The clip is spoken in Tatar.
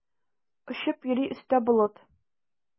Очып йөри өстә болыт.